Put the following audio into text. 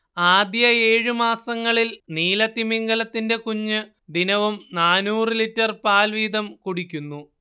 ആദ്യ ഏഴു മാസങ്ങളിൽ നീലത്തിമിംഗിലത്തിന്റെ കുഞ്ഞ് ദിനവും നാന്നൂറ് ലിറ്റര്‍ പാൽ വീതം കുടിക്കുന്നു